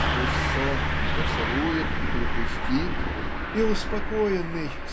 сквозь сон поцелует и перекрестит и успокоенный